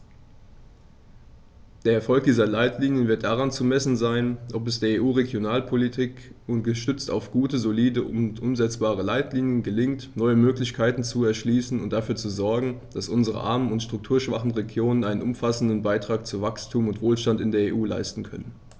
Der Erfolg dieser Leitlinien wird daran zu messen sein, ob es der EU-Regionalpolitik, gestützt auf gute, solide und umsetzbare Leitlinien, gelingt, neue Möglichkeiten zu erschließen und dafür zu sogen, dass unsere armen und strukturschwachen Regionen einen umfassenden Beitrag zu Wachstum und Wohlstand in der EU leisten können.